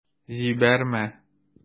Җибәрмә...